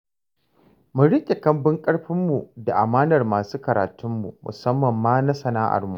'Mun riƙe kambun ƙarfinmu da amanar masu karatunmu, musamman ma na sana'armu''.